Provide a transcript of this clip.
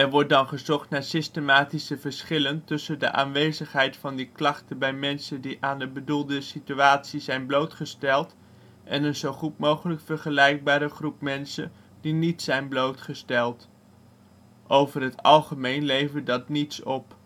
wordt dan gezocht naar systematische verschillen tussen de aanwezigheid van die klachten bij mensen die aan de bedoelde situatie bloot zijn gesteld en een zo goed mogelijk vergelijkbare groep mensen die niet zijn blootgesteld. Over het algemeen levert dat niets op